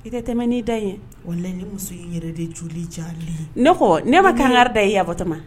I ka tɛmɛ'i da ye wala la ni muso i yɛrɛ de joli jari ne ko ne ma kankari da i yafatɔ ma